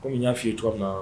Kɔmi n y'a fɔi cogo minna na